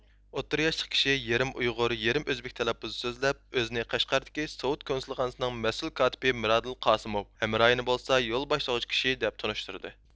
ئوتتۇرا ياشلىق كىشى يېرىم ئۇيغۇر يېرىم ئۆزبېك تەلەپپۇزىدا سۆزلەپ ئۆزىنى قەشقەردىكى سوۋېت كونسۇلخانىسىنىڭ مەسئۇل كاتىپى مىرادىل قاسىموۋ ھەمراھىنى بولسا يول باشلىغۇچى كىشى دەپ تونۇشتۇردى